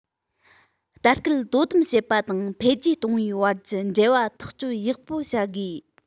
ལྟ སྐུལ དོ དམ བྱེད པ དང འཕེལ རྒྱས གཏོང བའི བར གྱི འབྲེལ བ ཐག གཅོད ཡག པོ བྱ དགོས